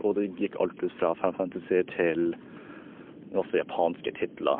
Og det gikk alt ut fra Final Fantasy til masse japanske titler.